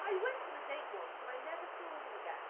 I went on a date once and I never saw him again.